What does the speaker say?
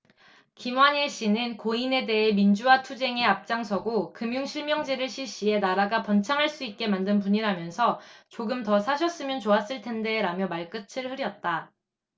김완일씨는 고인에 대해 민주화 투쟁에 앞장서고 금융실명제를 실시해 나라가 번창할 수 있게 만든 분이라면서 조금 더 사셨으면 좋았을 텐데 라며 말끝을 흐렸다